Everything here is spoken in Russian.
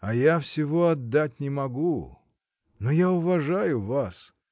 А я всего отдать не могу — но я уважаю вас.